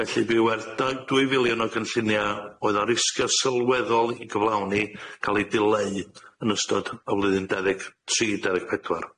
Felly bu werth dau- dwy filiwn o gynllunia oedd o arisgio sylweddol i gyflawni ca'l ei dileu yn ystod y flwyddyn dau ddeg tri dau ddeg pedwar.